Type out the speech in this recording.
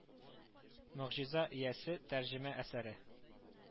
Могҗиза иясе - тәрҗемә әсәре